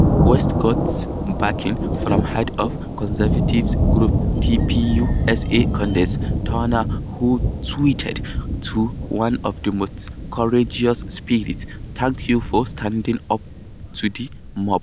West got backing from head of conservative group TPUSA, Candace Turner who tweeted: "To one of the most courageous spirits: THANK YOU FOR STANDING UP TO THE MOB."